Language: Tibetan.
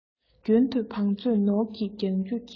རྒྱུན དུ བང མཛོད ནོར གྱིས བརྒྱང རྒྱུ གྱིས